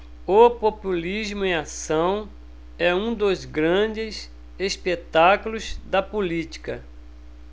o populismo em ação é um dos grandes espetáculos da política